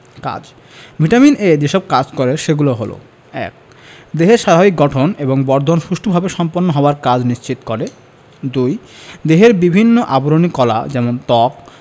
কাজ vitamin A যেসব কাজ করে সেগুলো হলো ১. দেহের স্বাভাবিক গঠন এবং বর্ধন সুষ্ঠুভাবে সম্পন্ন হওয়ার কাজ নিশ্চিত করে ২. দেহের বিভিন্ন আবরণী কলা যেমন ত্বক